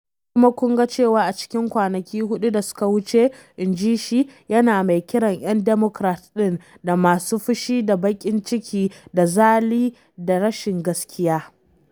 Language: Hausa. “Kuma kun ga cewa a cikin kwanaki huɗu da suka wuce,” inji shi, yana mai kiran ‘yan Democrat ɗin da “masu fushi da baƙin ciki da zali da rashin gaskiya.”